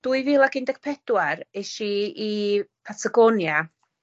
Dwy fil ag un dec pedwar esh i i Patagonia